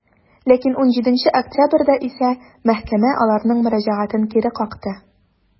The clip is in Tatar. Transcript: Ләкин 17 октябрьдә исә мәхкәмә аларның мөрәҗәгатен кире какты.